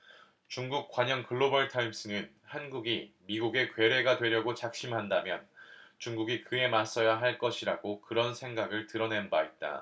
중국 관영 글로벌타임스는 한국이 미국의 괴뢰가 되려고 작심한다면 중국이 그에 맞서야 할 것이라고 그런 생각을 드러낸 바 있다